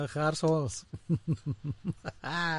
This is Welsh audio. Eich arse-hôls.